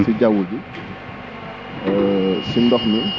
si jawwu ji si ndox mi